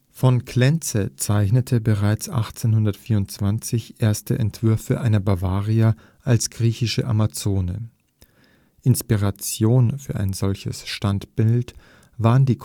Von Klenze zeichnete bereits 1824 erste Entwürfe einer Bavaria als „ griechische Amazone “. Inspiration für ein solches Standbild waren die